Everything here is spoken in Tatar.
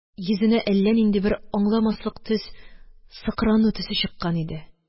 Йөзенә әллә нинди бер аңламаслык төс, сыкрану төсе чыккан иде